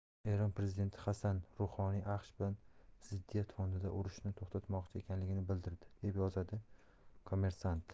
eron prezidenti hasan ruhoniy aqsh bilan ziddiyat fonida urushni to'xtatmoqchi ekanligini bildirdi deb yozadi kommersant